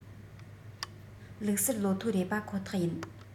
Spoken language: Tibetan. ལུགས གསར ལོ ཐོ རེད པ ཁོ ཐག ཡིན